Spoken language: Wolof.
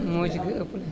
moo ci gën a ëppale